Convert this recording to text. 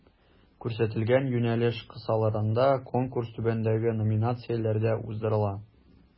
Күрсәтелгән юнәлеш кысаларында Конкурс түбәндәге номинацияләрдә уздырыла: